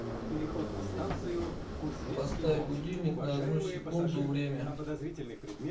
поставь будильник на одну секунду время